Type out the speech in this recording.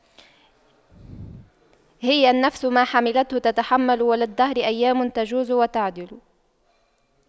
هي النفس ما حَمَّلْتَها تتحمل وللدهر أيام تجور وتَعْدِلُ